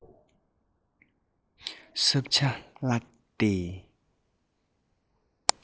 བསྲུབས ཇ བླུགས ཏེ